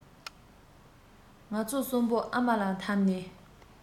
ང ཚོ གསུམ པོ ཨ མ ལ འཐམས ནས